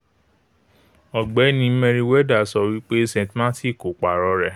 Ọgbéni Merriweather sọ wípé St. Martin kò pààrọ rẹ̀.